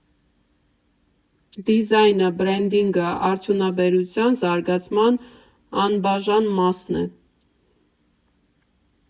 Դիզայնը, բրենդինգը՝ արդյունաբերության զարգացման անբաժանմասն է։